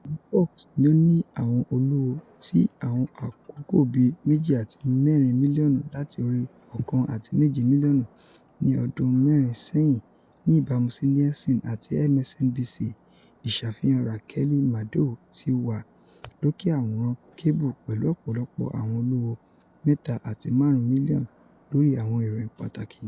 Iroyin Fox ni o ni awọn oluwo ti awọn akoko bi 2.4 milionu, lati ori 1.7 milionu ni ọdun mẹrin sẹyin, ni ibamu si Nielsen, ati MSNBC "Iṣafihan Rakeli Maddow" ti wa loke aworan kebu pẹlu ọpọlọpọ awọn oluwo 3.5 million lori awọn iroyin pataki.